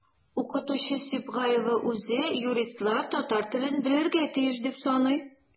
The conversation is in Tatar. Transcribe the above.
Укытучы Сибгаева үзе юристлар татар телен белергә тиеш дип саный.